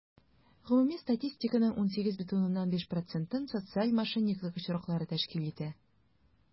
Гомуми статистиканың 18,5 процентын социаль мошенниклык очраклары тәшкил итә.